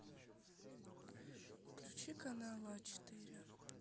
включи канал а четыре